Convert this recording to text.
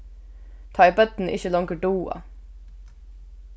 tá ið børnini ikki longur duga